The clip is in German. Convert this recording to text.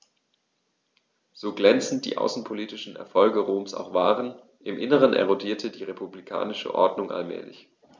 So glänzend die außenpolitischen Erfolge Roms auch waren: Im Inneren erodierte die republikanische Ordnung allmählich.